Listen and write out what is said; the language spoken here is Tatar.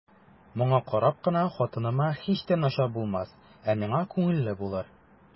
Моңа карап кына хатыныма һич тә начар булмас, ә миңа күңелле булыр.